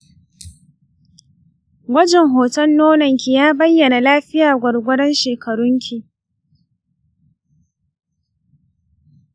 gwajin hoton nononki ya bayyana lafiya gwargwadon shekarunki.